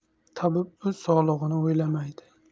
tabib o'z sog'ligini o'ylamaydi